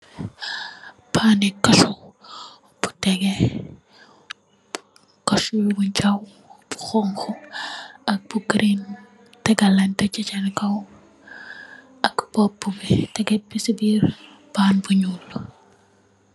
Pani kassu bu tegeh, kassu bi mu jaw, bu xonxu ak bu green teglateh ci seen kaw ak bopú bi , neket bi ci biir pan bu ñuul.